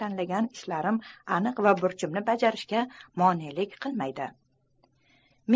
mening tanlagan ishlarim aniq va o'z burchimni bajarayapman